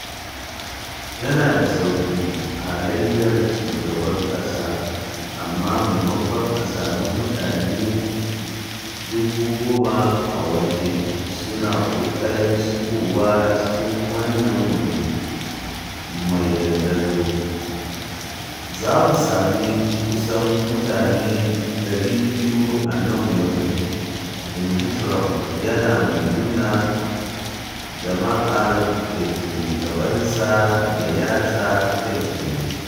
“Yana da sauki halayyar shugaban ƙasa, amma maimakon a sami mutane 10,000 a waje suna ƙoƙarin shigowa cikin wannan wuri mai dandazo, za mu sami kusan mutane 200 a nan wurin,” inji Trump, yana mai nuna jama’ar da ke gabansa da yatsa kai tsaye.